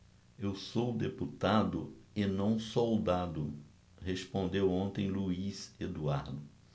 eu sou deputado e não soldado respondeu ontem luís eduardo